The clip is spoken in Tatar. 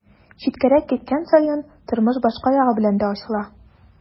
Читкәрәк киткән саен тормыш башка ягы белән дә ачыла.